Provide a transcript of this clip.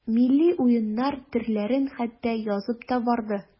Милли уеннар төрләрен хәтта язып та барды.